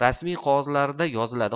rasmiy qog'ozlardagina yoziladi